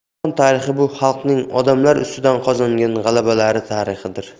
jahon tarixi bu xalqning odamlar ustidan qozongan g'alabalari tarixidir